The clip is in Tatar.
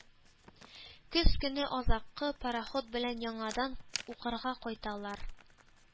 Көз көне азаккы пароход белән яңадан укырга кайталар.